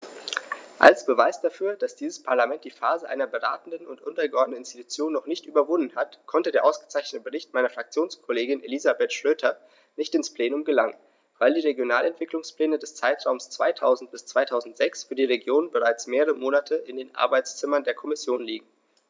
Als Beweis dafür, dass dieses Parlament die Phase einer beratenden und untergeordneten Institution noch nicht überwunden hat, konnte der ausgezeichnete Bericht meiner Fraktionskollegin Elisabeth Schroedter nicht ins Plenum gelangen, weil die Regionalentwicklungspläne des Zeitraums 2000-2006 für die Regionen bereits mehrere Monate in den Arbeitszimmern der Kommission liegen.